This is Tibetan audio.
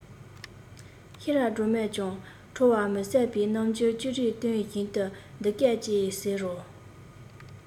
ཤེས རབ སྒྲོལ མས ཀྱང ཁྲོ བ མི ཟད པའི རྣམ འགྱུར ཅི རིགས སྟོན བཞིན དུ འདི སྐད ཅེས ཟེར རོ